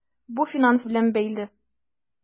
Бу финанс белән бәйле.